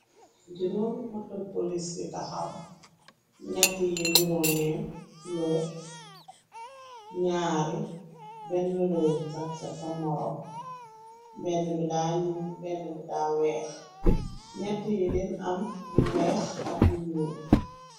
Juroomi motopolis yu taxaw ñatti yi nuroo neen kulor ñaari benn réewu sagsa sa morom benn bi da ñul benn bi daa weex ñatt yi den am bu weex ak bi ñuul.